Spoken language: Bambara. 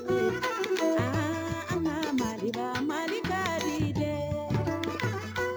Maa diɲɛ ma ma ma ka tile le